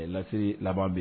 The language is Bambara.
Lafi laban bɛ yen